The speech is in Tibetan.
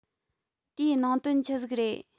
དེའི ནང དོན ཆི ཟིག རེད